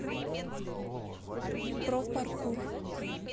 про паркур